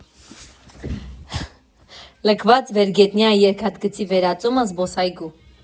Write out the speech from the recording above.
Լքված վերգետնյա երկաթգծի վերածումը զբոսայգու։